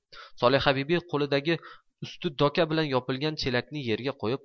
solihabibi qo'lidagi usti doka bilan yopilgan chelakni yerga qo'yib